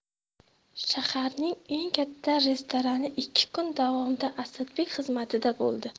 shaharning eng katta restorani ikki kun davomida asadbek xizmatida bo'ldi